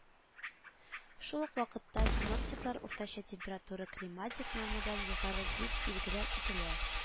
Шул ук вакытта синоптиклар уртача температура климатик нормадан югары дип билгеләп үтелә